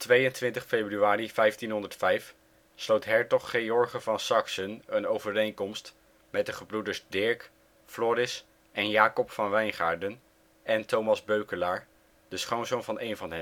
22 februari 1505 sloot hertog George van Saksen een overeenkomst met de gebroeders Dirk, Floris, en Jacob van Wijngaarden, en Thomas Beukelaar, de schoonzoon van een van